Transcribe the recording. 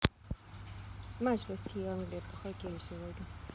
матч россия англия по хоккею сегодня